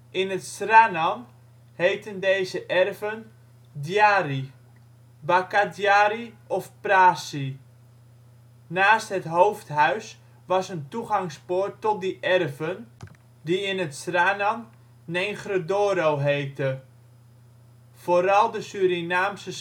In het Sranan heten deze erven dyari, bakadyari of prasi. Naast het hoofdhuis was een toegangspoort tot die erven, die in het Sranan nengredoro heette. Vooral de Surinaamse